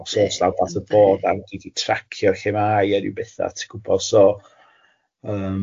...os oes na wbath o bod a gelli di tracio lle mae a rw bethau ti'n gwybod, so yym.